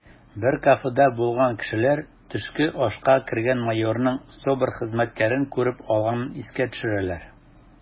Бер кафеда булган кешеләр төшке ашка кергән майорның СОБР хезмәткәрен күреп алганын искә төшерәләр: